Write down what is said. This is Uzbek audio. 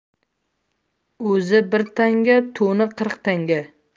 o'zi bir tanga to'ni qirq tanga